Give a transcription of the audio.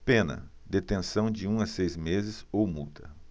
pena detenção de um a seis meses ou multa